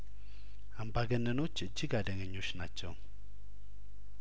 አምባገነኖች እጅግ አደገኞች ናቸው